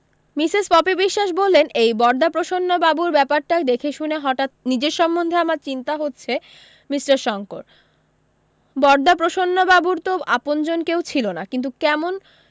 Mrs Popy Biswas বললেন এই বরদাপ্রসন্ন বাবুর ব্যাপারটা দেখেশুনে হঠাত নিজের সম্বন্ধে আমার চিন্তা হচ্ছে মিষ্টার শংকর বরদাপ্রসন্নবাবুর তো আপনজন কেউ ছিল না কিন্তু কেমন